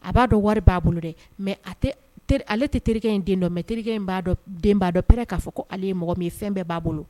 A b'a dɔn wari b'a bolo dɛ mɛ ale tɛ terikɛ in den dɔn mɛ terikɛ'a den'a dɔn hɛrɛɛ k'a fɔ ko ale ye mɔgɔ min fɛn bɛɛ b'a bolo